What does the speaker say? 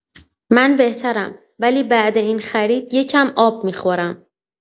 من بهترم، ولی بعد این خرید یه کم‌آب می‌خورم.